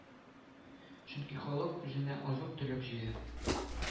Чөнки халык үзенә азык-төлек җыя